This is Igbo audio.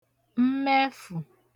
mmẹfù